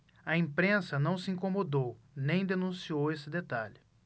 a imprensa não se incomodou nem denunciou esse detalhe